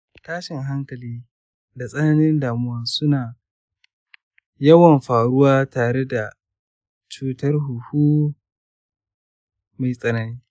tashin hankali da tsananin damuwa suna yawan faruwa tare da cutar huhu mai tsanani.